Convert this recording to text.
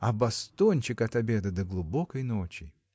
а бостончик от обеда до глубокой ночи.